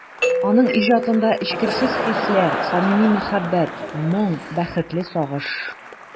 Аның иҗатында эчкерсез хисләр, самими мәхәббәт, моң, бәхетле сагыш...